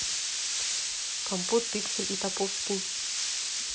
компот пиксель и топовский